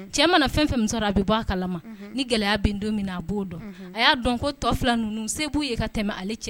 Cɛ mana fɛn fɛn min sɔrɔ a bɛ bɔa kalama ni gɛlɛya bin don min na a b'o dɔn a y'a dɔn ko tɔ fila ninnu se b'o ye ka tɛmɛ ale cɛ